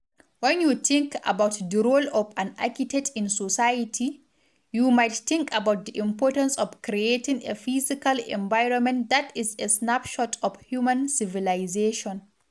When you think of the role of an architect in society, you might think about the importance of creating a physical environment that's a snapshot of human civilisation.